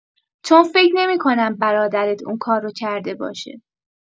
چون فکر نمی‌کنم برادرت اون کار رو کرده باشه.